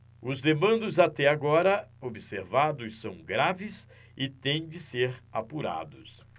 os desmandos até agora observados são graves e têm de ser apurados